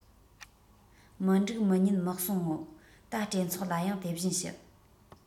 མི འགྲིག མི ཉན མི གསུང ངོ ད སྤྲེལ ཚོགས ལ ཡང དེ བཞིན ཞུ